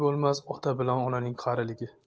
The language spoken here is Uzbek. bo'lmas ota bilan onaning qariligi